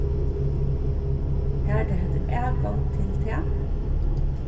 har tey høvdu atgongd til tað